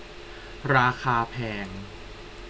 ราคาแพง